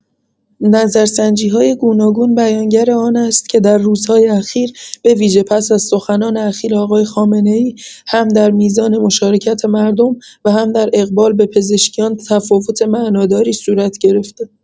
نظرسنجی‌های گوناگون بیانگر آنست که در روزهای اخیر، به‌ویژه پس از سخنان اخیر آقای خامنه‌ای، هم در میزان مشارکت مردم و هم در اقبال به پزشکیان تفاوت معناداری صورت گرفته